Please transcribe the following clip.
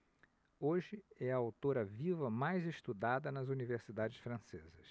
hoje é a autora viva mais estudada nas universidades francesas